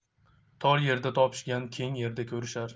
tor yerda topishgan keng yerda ko'rishar